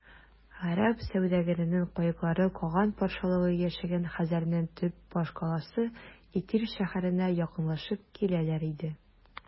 Гарәп сәүдәгәренең каеклары каган патшалыгы яшәгән хәзәрнең төп башкаласы Итил шәһәренә якынлашып киләләр иде.